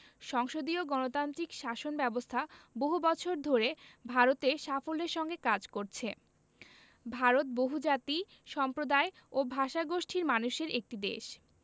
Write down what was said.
সংসদীয় গণতান্ত্রিক শাসন ব্যাবস্থা বহু বছর ধরে ভারতে সাফল্যের সঙ্গে কাজ করছে ভারত বহুজাতি সম্প্রদায় ও ভাষাগোষ্ঠীর মানুষের একটি দেশ